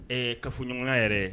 Ee kafɔɲɔgɔnya yɛrɛ.